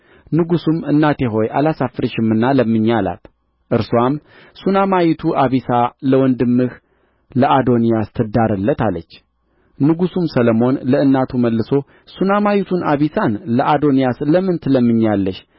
ንጉሡም እናቴ ሆይ አላሳፍርሽምና ለምኝ አላት እርስዋም ሱነማይቱ አቢሳ ለወንድምህ ለአዶንያስ ትዳርለት አለች ንጉሡም ሰሎሞን ለእናቱ መልሶ ሱነማይቱን አቢሳን ለአዶንያስ ለምን ትለምኝለታለሽ